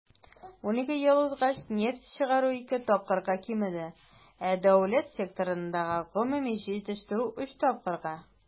12 ел узгач нефть чыгару ике тапкырга кимеде, ә дәүләт секторындагы гомуми җитештерү - өч тапкырга.